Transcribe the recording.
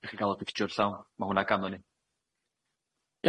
Dach chi'n ca'l y pictiwr llawn ma' hwnna ganddo ni.